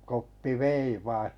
Koppi vei vain